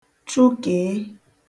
chụkèe